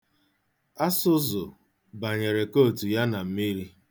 Asụzụ banyere kootu ya na mmiri.